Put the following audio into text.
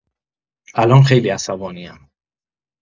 الان خیلی عصبانی‌ام.